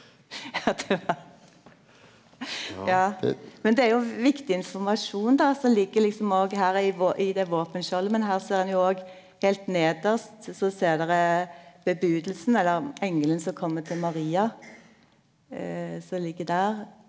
ja det ja men det er jo viktig informasjon då som ligg liksom òg her i i det våpenskjoldet men her ser ein jo òg heilt nedst så ser dokker varselet eller engelen som kjem til Maria som ligg der.